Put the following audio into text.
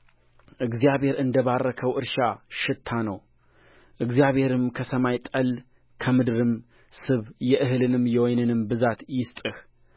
እግዚአብሔር እንደ ባረከው እርሻ ሽታ ነው እግዚአብሔርም ከሰማይ ጠል ከምድርም ስብ የእህልንም የወይንንም ብዛት ይስጥህ